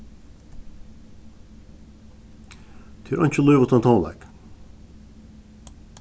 tað er einki lív uttan tónleik